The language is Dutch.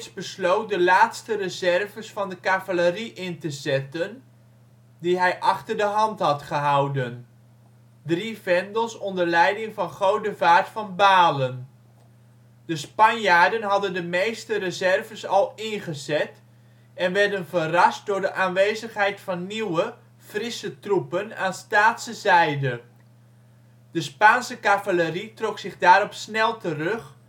besloot de laatste reserves van de cavalerie in te zetten die hij achter de hand had gehouden; drie vendels onder leiding van Godevaart van Balen. De Spanjaarden hadden de meeste reserves al ingezet en werden verrast door de aanwezigheid van nieuwe, frisse troepen aan Staatse zijde. De Spaanse cavalerie trok zich daarop snel terug